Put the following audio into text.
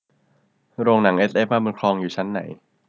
โรงหนังเอสเอฟมาบุญครองอยู่ชั้นไหน